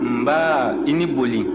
nba i ni boli